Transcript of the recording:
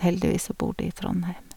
Heldigvis så bor de i Trondheim.